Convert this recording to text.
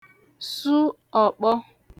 su ọ̀kpọ